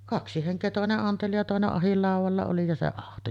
kaksi henkeä toinen anteli ja toinen ahdinlaudalla oli ja se ahtoi